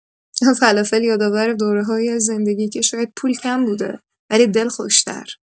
فلافل یادآور دوره‌هایی از زندگیه که شاید پول کم بوده، ولی دل خوش‌تر.